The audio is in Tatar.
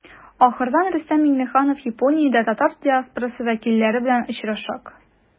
Ахырдан Рөстәм Миңнеханов Япониядә татар диаспорасы вәкилләре белән очрашачак.